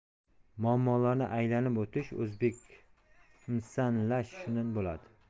muammolarni aylanib o'tish o'zbekmisan lash shundan bo'ladi